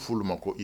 Furu ma i